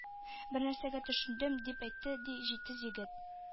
Бернәрсәгә төшендем, — дип әйтте, ди, җитез егет.